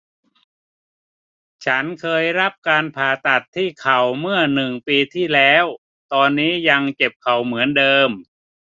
ฉันเคยรับการผ่าตัดที่เข่าเมื่อปีหนึ่งปีที่แล้วตอนนี้ยังเจ็บเข่าเหมือนเดิม